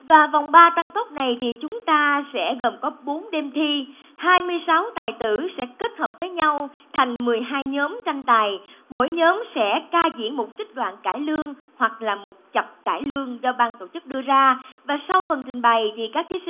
và vòng ba tăng tốc này thì chúng ta sẽ gồm có bốn đêm thi hai mươi sáu tài tử sẽ kết hợp với nhau thành mười hai nhóm tranh tài mỗi nhóm sẽ ca diễn một trích đoạn cải lương hoặc là một chặp cải lương do ban tổ chức đưa ra và sau phần trình bày thì các thí sinh